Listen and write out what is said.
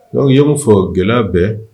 Aw y ye fɔ gɛlɛya bɛɛ